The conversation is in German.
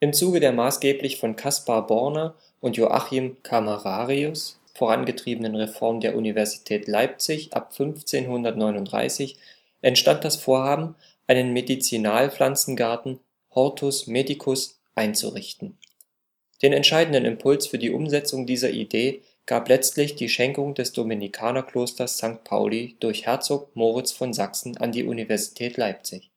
Zuge der maßgeblich von Caspar Borner und Joachim Camerarius vorangetriebenen Reform der Universität Leipzig ab 1539 entstand das Vorhaben, einen Medizinalpflanzengarten (hortus medicus) einzurichten. Den entscheidenden Impuls für die Umsetzung dieser Idee gab letztlich die Schenkung des Dominikanerklosters St. Pauli durch Herzog Moritz von Sachsen an die Universität Leipzig